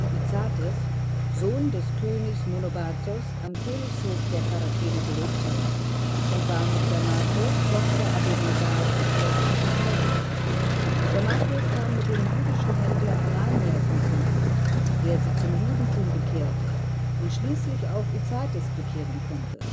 Izates, Sohn des Königs Monobazos am Königshof der Charakene gelebt haben und war mit Samacho, Tochter Abinergaos ' I. verheiratet. Samacho kam mit dem jüdischen Händler Ananias in Kontakt, der sie zum Judentum bekehrte und schließlich auch Izates bekehren konnte